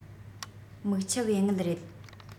མིག ཆུ བའི དངུལ རེད